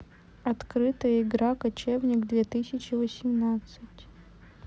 открыто игра кочевник две тысячи восемнадцать